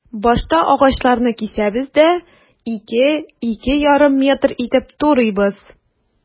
Башта агачларны кисәбез дә, 2-2,5 метр итеп турыйбыз.